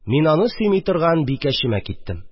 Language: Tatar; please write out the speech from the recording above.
Мин аны сөйми торган бикәчемә киттем